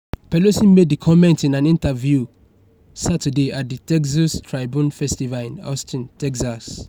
Pelosi made the comments in an interview Saturday at the Texas Tribune Festival in Austin, Texas.